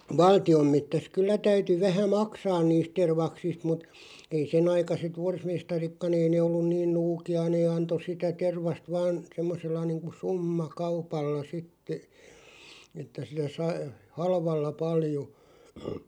valtion metsässä kyllä täytyi vähän maksaa niistä tervaksista mutta ei senaikaiset forsmestaritkaan ei ne ollut niin nuukia ne antoi sitä tervasta vain semmoisella niin kuin summakaupalla sitten että sillä sai halvalla paljon